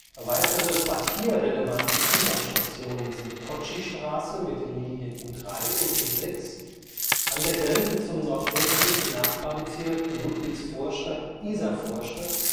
Weitere quartierrelevante U-Bahn-Stationen sind Poccistraße (U3/U6) an der Grenze zum nordöstlichen Nachbarbezirk Ludwigsvorstadt-Isarvorstadt